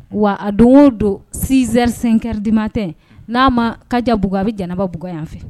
Wa a don o don sinzɛriskɛdiman tɛ n'a ma kaja bug a bɛ jɛnɛba bug yan fɛ